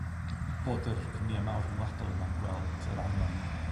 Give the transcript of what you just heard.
bod yr cwmnia mawr rhyngwladol yma'n gweld yr angen